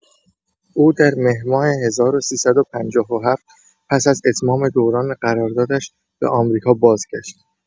او در مهرماه ۱۳۵۷ پس از اتمام دوران قراردادش، به آمریکا بازگشت.